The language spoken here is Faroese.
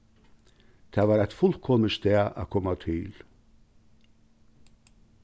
tað var eitt fullkomið stað at koma til